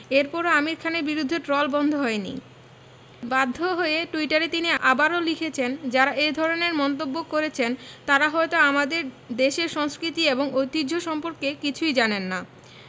এরপরও আমির খানের বিরুদ্ধে ট্রল বন্ধ হয়নি বাধ্য হয়ে টুইটারে তিনি আবারও লিখেছেন যাঁরা এ ধরনের মন্তব্য করেছেন তাঁরা হয়তো আমাদের দেশের সংস্কৃতি এবং ঐতিহ্য সম্পর্কে কিছুই জানেন না